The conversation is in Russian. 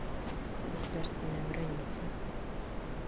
государственная граница